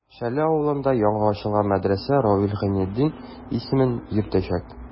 Шәле авылында яңа ачылган мәдрәсә Равил Гайнетдин исемен йөртәчәк.